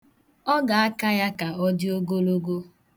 Ọ ga-aka ya ka ọ dị ọgologo.